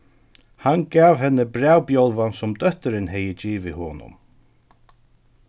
hann gav henni brævbjálvan sum dóttirin hevði givið honum